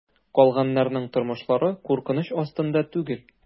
Калганнарның тормышлары куркыныч астында түгел.